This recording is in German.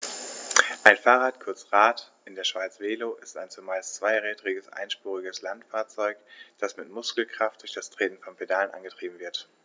Ein Fahrrad, kurz Rad, in der Schweiz Velo, ist ein zumeist zweirädriges einspuriges Landfahrzeug, das mit Muskelkraft durch das Treten von Pedalen angetrieben wird.